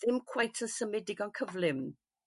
Ddim cweit yn symud digon cyflym